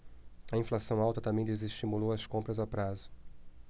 a inflação alta também desestimulou as compras a prazo